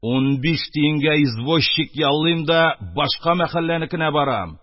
Унбиш тиенгә извощик яллыйм да, башка мәхәлләнекенә барам...